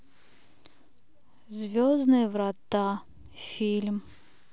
звездные врата фильм